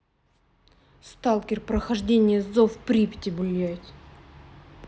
stalker прохождение зов припяти блядь